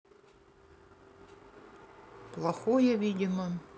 плохое видимо